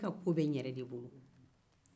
ne ka ko bɛ n yɛrɛ de bolo